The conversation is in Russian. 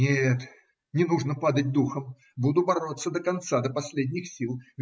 Нет, не нужно падать духом; буду бороться до конца, до последних сил.